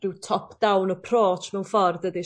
ryw top down approach mewn ffordd dydi...